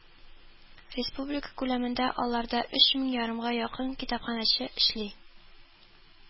Республика күләмендә аларда өч мең ярымга якын китапханәче эшли